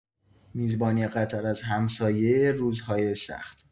میزبانی قطر از همسایه روزهای سخت